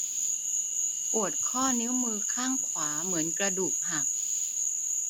ปวดข้อนิ้วมือข้างขวาเหมือนกระดูกหัก